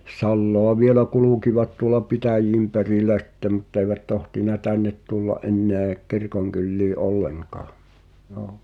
salaa vielä kulkivat tuolla pitäjien perillä sitten mutta eivät tohtinut tänne tulla enää kirkonkyliin ollenkaan joo